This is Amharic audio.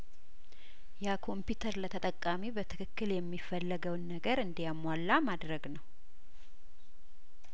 የኮምፒተር ለተጠቃሚው በትክክል የሚፈለገውን ነገር እንዲያሟላ ማድረግ ነው